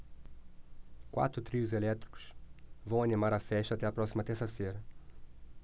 quatro trios elétricos vão animar a festa até a próxima terça-feira